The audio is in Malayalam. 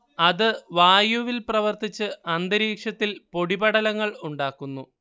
അത് വായുവിൽ പ്രവർത്തിച്ച് അന്തരീക്ഷത്തിൽ പൊടിപടലങ്ങൾ ഉണ്ടാക്കുന്നു